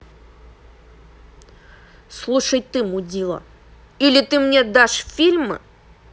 слушай ты мудила или ты мне даешь фильмы